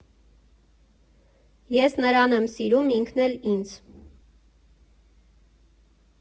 Ես նրան եմ սիրում, ինքն էլ՝ ինձ։